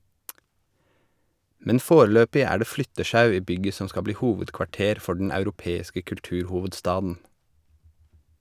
Men foreløpig er det flyttesjau i bygget som skal bli hovedkvarter for den europeiske kulturhovedstaden.